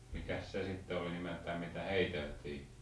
mikäs se sitten oli nimeltään mitä heiteltiin